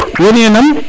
wo ne e nam